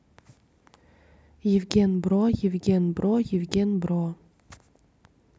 евген бро евген бро евген бро